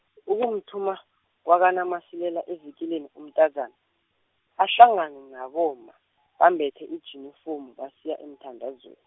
ukumthuma, kwakaNaMasilela evikilini umntazana, ahlangane nabomma, bambethe ijinifomu basiya emthandazwe-.